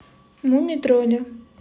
муми тролли